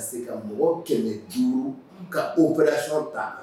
Ka se ka mɔgɔ kɛmɛ jiri ka o fɛ sɔrɔ ta